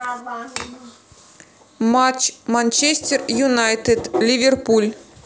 матч манчестер юнайтед ливерпуль